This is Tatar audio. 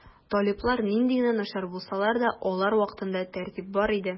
Талиблар нинди генә начар булсалар да, алар вакытында тәртип бар иде.